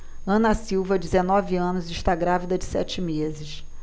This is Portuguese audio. ana silva dezenove anos está grávida de sete meses